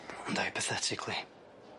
Ond eipathetically?